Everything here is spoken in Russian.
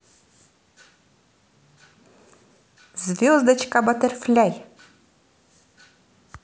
звездочка баттерфляй